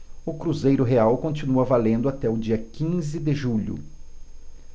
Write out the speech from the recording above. o cruzeiro real continua valendo até o dia quinze de julho